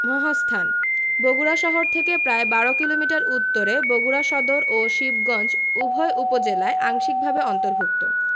মহাস্থান বগুড়া শহর থেকে প্রায় ১২ কিলোমিটার উত্তরে বগুড়া সদর ও শিবগঞ্জ উভয় উপজেলায় আংশিকভাবে অন্তর্ভুক্ত